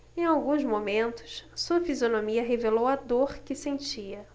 em alguns momentos sua fisionomia revelou a dor que sentia